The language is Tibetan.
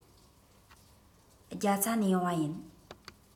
རྒྱ ཚ ནས ཡོང བ ཡིན